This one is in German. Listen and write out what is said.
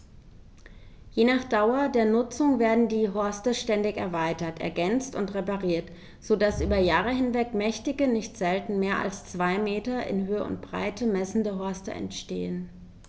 Je nach Dauer der Nutzung werden die Horste ständig erweitert, ergänzt und repariert, so dass über Jahre hinweg mächtige, nicht selten mehr als zwei Meter in Höhe und Breite messende Horste entstehen.